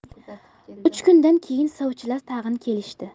uch kundan keyin sovchilar tag'in kelishdi